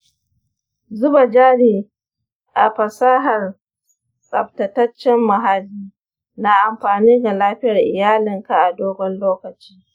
zuba jari a fasahar tsaftataccen muhalli na amfani ga lafiyar iyalinka a dogon lokaci.